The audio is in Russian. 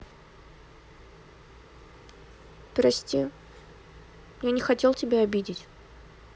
кости я не хотел тебя обидеть